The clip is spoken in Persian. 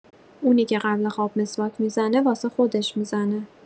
اونی که قبل خواب مسواک می‌زنه واسه خودش می‌زنه